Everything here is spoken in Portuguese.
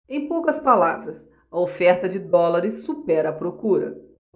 em poucas palavras a oferta de dólares supera a procura